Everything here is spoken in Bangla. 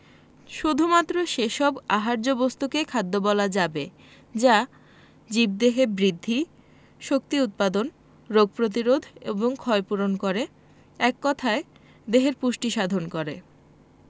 শুধুমাত্র সেই সব আহার্য বস্তুকেই খাদ্য বলা যাবে যা জীবদেহে বৃদ্ধি শক্তি উৎপাদন রোগ প্রতিরোধ এবং ক্ষয়পূরণ করে এক কথায় দেহের পুষ্টি সাধন করে